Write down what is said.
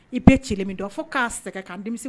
I be cili min dɔn fo k'a sɛg'a kan denmisenw